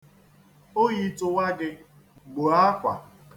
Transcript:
Oyi tụwa gị, gboo akwa.